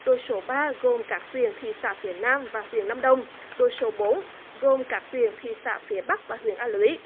đội số ba gồm các huyện thị xã phía nam và huyện nam đông đội số bốn gồm các huyện thị xã phía bắc và huyện a lưới